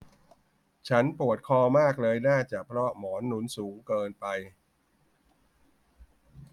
ฉันปวดคอมากเลยน่าจะเพราะหมอนหนุนสูงเกินไป